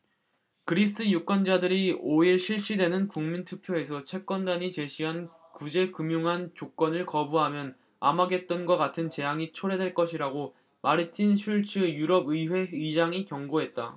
그리스 유권자들이 오 일 실시되는 국민투표에서 채권단이 제시한 구제금융안 조건을 거부하면 아마겟돈과 같은 재앙이 초래될 것이라고 마르틴 슐츠 유럽의회 의장이 경고했다